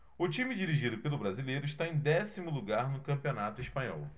o time dirigido pelo brasileiro está em décimo lugar no campeonato espanhol